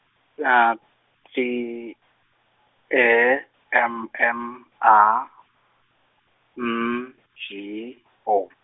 T, E M M A, N G O.